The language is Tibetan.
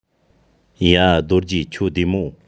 ཡ རྡོ རྗེ ཁྱོད བདེ མོ